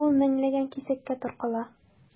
Ул меңләгән кисәккә таркала.